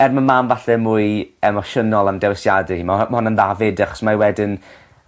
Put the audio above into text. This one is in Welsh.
er ma' mam falle mwy emosiynol am dewisiade hi ma' ho- ma' hwnna'n dda 'fyd achos mae 'i wedyn